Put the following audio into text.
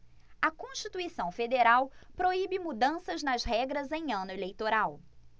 a constituição federal proíbe mudanças nas regras em ano eleitoral